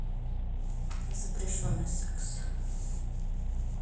запрещенный секс